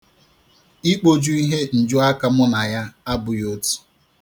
Ikpoju ihe njuaka mụ na ya abụghị otu.